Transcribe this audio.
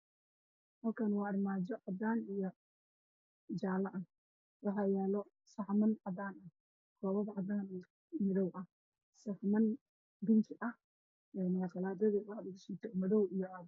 Waa qaanad waxaa ku jira weerarka wax lagu cuno sida goobta weelasha saxarla